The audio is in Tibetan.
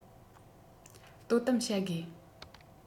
དོ དམ བྱ དགོས